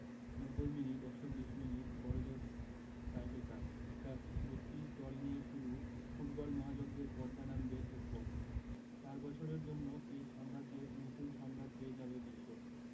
৯০ minute ১২০ minute বড়জোর tiebreaker ব্যস ৩২ দল নিয়ে শুরু ফুটবল মহাযজ্ঞের পর্দা নামবে এরপর চার বছরের জন্য এই সাম্রাজ্যের নতুন সম্রাট পেয়ে যাবে বিশ্ব